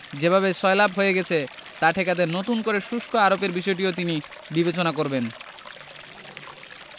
যেভাবে সয়লাব হয়ে গেছে তা ঠেকাতে নতুন করে শুল্ক আরোপের বিষয়টিও তিনি বিবেচনা করবেন